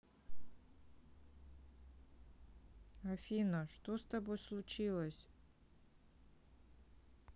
афина что с тобой случилось